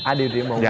à đi trị mụn